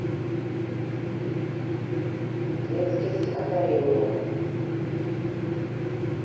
детские стихотворения